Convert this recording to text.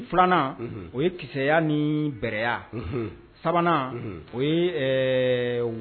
Filanan o ye kisɛya ni bɛrɛya sabanan ye